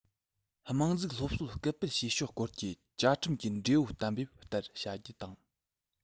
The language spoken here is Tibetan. དམངས འཛུགས སློབ གསོར སྐུལ སྤེལ བྱེད ཕྱོགས སྐོར གྱི བཅའ ཁྲིམས ཀྱི འབྲེལ ཡོད གཏན འབེབས ལྟར བྱ རྒྱུ དང